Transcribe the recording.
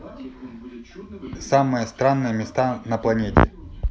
самые странные места на планете